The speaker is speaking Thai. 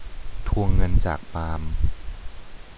ทวงเงินจากปาล์ม